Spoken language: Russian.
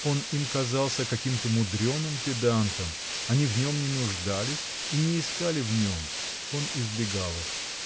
Он им казался каким-то мудреным педантом, они в нем не нуждались и не искали в нем, он избегал их.